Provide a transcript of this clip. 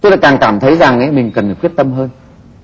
tôi càng cảm thấy rằng mình cần quyết tâm